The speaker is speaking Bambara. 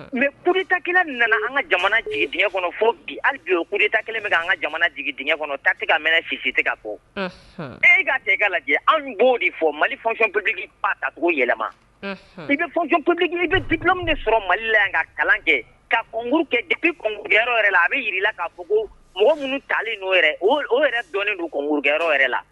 Mɛ kurutaki nana an ka jamana jigi d kɔnɔ fo bi hali kurutakelen bɛ an ka jamana jigiigi d kɔnɔ ta se ka mɛn si si se ka fɔ e ka jɛ lajɛ anw b'o de fɔ mali fɔnkuntigiki ba ka yɛlɛma i bɛɔnptigi i bɛlo de sɔrɔ mali la yan ka kalan kɛ ka kunmuru kɛ dep yɛrɛ la a bɛla kaugu mɔgɔ minnu tali n'o yɛrɛ o o yɛrɛ dɔn donmgkɛyɔrɔ yɛrɛ la